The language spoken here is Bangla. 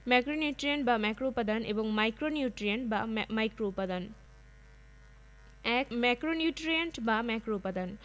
ম্যাগনেসিয়াম ক্লোরোফিল অণুর একটি গুরুত্বপুর্ণ উপাদান এবং শ্বসন প্রক্রিয়ায় সাহায্য করে এর অভাব হলে ক্লোরোফিল অণু সৃষ্টি এবং সালোকসংশ্লেষণ প্রক্রিয়ায় খাদ্য প্রস্তুত ব্যাহত হবে পটাশিয়াম উদ্ভিদের বহু জৈবিক